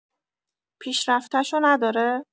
پیشرفتشو نداره؟!